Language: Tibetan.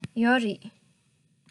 ཡོད རེད